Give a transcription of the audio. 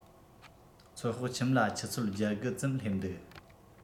ཚོད དཔག ཁྱིམ ལ ཆུ ཚོད བརྒྱད དགུ ཙམ སླེབས འདུག